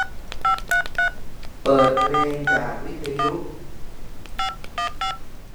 เปิดเพลงจากวิทยุ